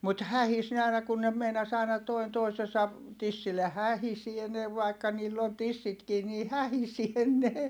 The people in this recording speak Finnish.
mutta hähisi ne aina kun ne meinasi aina toinen toisensa tissille hähisee ne vaikka niillä on tissitkin niin hähisee ne